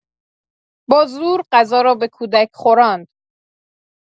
با زور غذا را به کودک خوراند